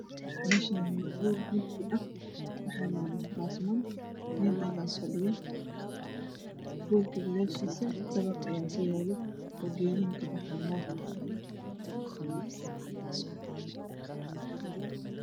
Meshaan wa hool mugdi ah waxaa yalo kuraas badan nin ayaa fadhiya hoolka gadashiisa dabaq ayaa ku yaal oo geedo wa weyn ka baxaayaan